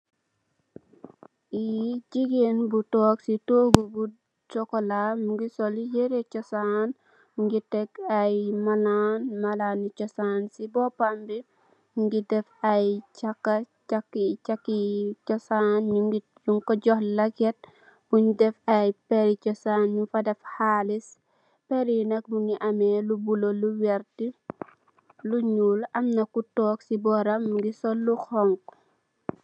Li jigeen bu esi togu bu chocola mogi so yere chosan mogi tek ay malan malani chosan si nopam bi mogi def ay chaha chai chai chosan mogi Kun ko joh leket bung def ay beri chosan nyun fa def xaalis peri nak mogi ame lu bulo lu werta lu nuul amna ko tog si boram mogi sol lu xonxa.